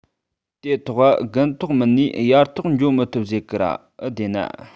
དེ ཐོག ག དགུན ཐོག མིན ནས དབྱར ཐོག འགྱོ མི ཐུབ ཟེར གི ར ཨེ བདེན ན